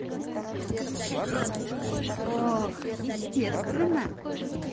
oh естественно